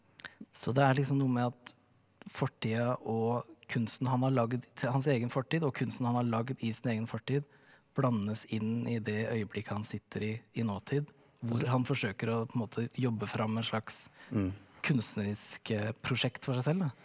så det er liksom noe med at fortida og kunsten han har lagd til hans egen fortid og kunsten han har lagd i sin egen fortid blandes inn i det øyeblikket han sitter i i nåtid hvor han forsøker å på en måte jobbe fram en slags kunstnerisk prosjekt for seg selv da.